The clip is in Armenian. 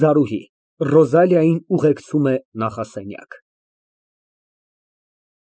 ԶԱՐՈՒՀԻ ֊ (Ռոզալիային ուղեկցում է նախասենյակ)։